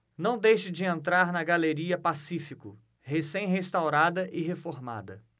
não deixe de entrar na galeria pacífico recém restaurada e reformada